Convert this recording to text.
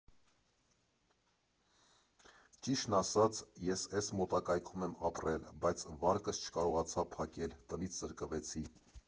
Ճիշտն ասած, ես էս մոտակայքում եմ ապրել, բայց վարկս չկարողացա փակել, տնից զրկվեցի։